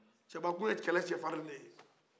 cɛba tun ye kɛlɛ cɛfari de ye